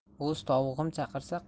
o'z tovug'im chaqirsa